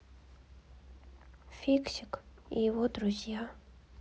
фиксик и его друзья